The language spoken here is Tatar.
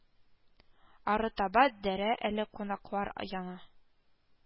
Арытаба дәрә әле кунаклар яңа